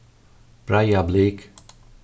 breiðablik